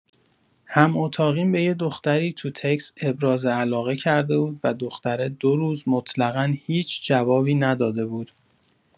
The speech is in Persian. هم‌اتاقیم به یه دختری تو تکست ابراز علاقه کرده بود و دختره دو روز مطلقا هیچ جوابی نداده بود.